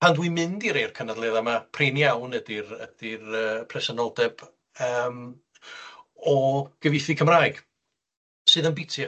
Pan dwi'n mynd i rei o'r canadledd yma, prin iawn ydi'r ydi'r yy presenoldeb yym o gyfieithu Cymraeg, sydd yn biti